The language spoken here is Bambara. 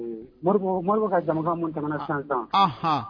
Mori mori ka jama mun tɛm san kan